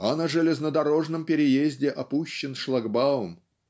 А на железнодорожном переезде опущен шлагбаум